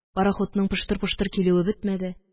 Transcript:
Парахутның поштыр-поштыр килүе бетмәде